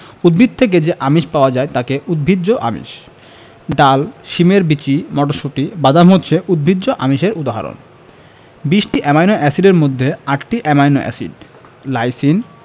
উদ্ভিদ থেকে যে আমিষ পাওয়া যায় তা উদ্ভিজ্জ আমিষ ডাল শিমের বিচি মটরশুঁটি বাদাম হচ্ছে উদ্ভিজ্জ আমিষের উদাহরণ ২০টি অ্যামাইনো এসিডের মধ্যে ৮টি অ্যামাইনো এসিড লাইসিন